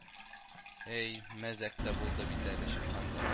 Әй, мәзәк тә булды бит әле чыкканда